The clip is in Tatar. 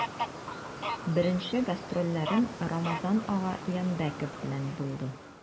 Беренче гастрольләрем Рамазан ага Янбәков белән булды.